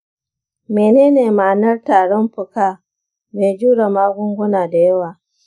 menene ma’anartarin fuka mai jure magunguna da yawa?